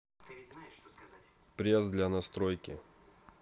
пресс для настойки